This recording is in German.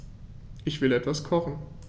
Ich will etwas kochen.